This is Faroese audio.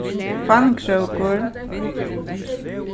hvannkrókur